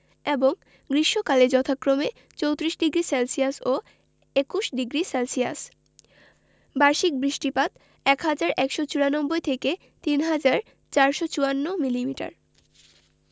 এবং গ্রীষ্মকালে যথাক্রমে ৩৪ডিগ্রি সেলসিয়াস ও ২১ডিগ্রি সেলসিয়াস বার্ষিক বৃষ্টিপাত ১হাজার ১৯৪ থেকে ৩হাজার ৪৫৪ মিলিমিটার